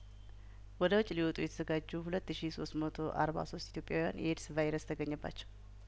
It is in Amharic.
ወደው ጭ ሊወጡ የተዘጋጁ ሁለት ሺ ሶስት መቶ አርባ ሶስት ኢትዮጵያውያን የኤድስ ቫይረስ ተገኘባቸው